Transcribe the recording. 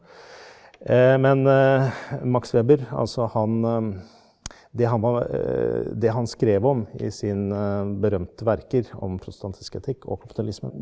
men Max Weber altså han det han var det han skrev om i sine berømte verker om protestantisk etikk og kapitalismen.